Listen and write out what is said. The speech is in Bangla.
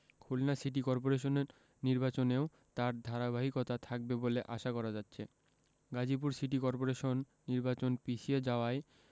খুলনা সিটি করপোরেশন নির্বাচনেও তার ধারাবাহিকতা থাকবে বলে আশা করা যাচ্ছে গাজীপুর সিটি করপোরেশন নির্বাচন পিছিয়ে যাওয়ায়